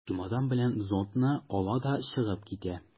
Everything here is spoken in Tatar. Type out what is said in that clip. Чемодан белән зонтны ала да чыгып китә.